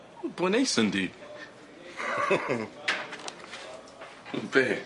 M'n boi neis yndi? Be?